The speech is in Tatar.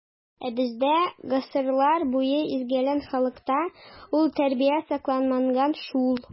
Ә бездә, гасырлар буе изелгән халыкта, ул тәрбия сакланмаган шул.